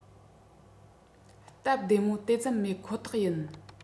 སྟབས བདེ མོ དེ ཙམ མེད ཁོ ཐག ཡིན